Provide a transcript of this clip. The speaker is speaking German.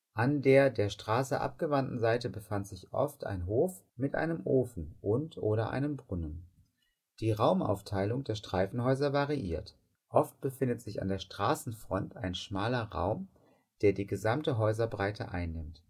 An der der Straße abgewandten Seite befand sich oft ein Hof mit einem Ofen und/oder einem Brunnen. Die Raumaufteilung der Streifenhäuser variiert. Oft befindet sich an der Straßenfront ein schmaler Raum, der die gesamte Hausbreite einnimmt